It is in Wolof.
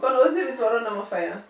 kon Osiris waroon na ma fay ah